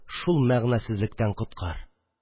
Шул мәгънәсезлектән коткар